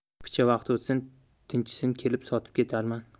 picha vaqt o'tsin tinchisin kelib sotib ketarman